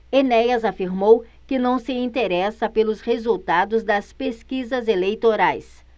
enéas afirmou que não se interessa pelos resultados das pesquisas eleitorais